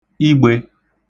igbē